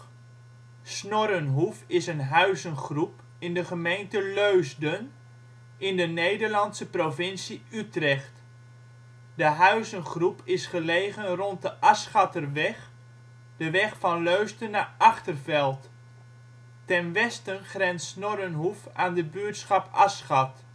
Snorrenhoef is een huizengroep in gemeente Leusden, in de Nederlandse provincie Utrecht. De huizengroep is gelegen rond de Asschatterweg, de weg van Leusden naar Achterveld. Ten westen grenst Snorrenhoef aan de buurtschap Asschat